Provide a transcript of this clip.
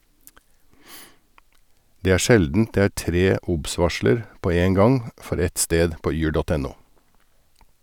Det er sjeldent det er tre obs-varsler på én gang for ett sted på yr.no.